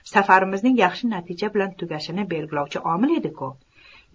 safarimizning yaxshi natija bilan tugashini belgilovchi omil edi ku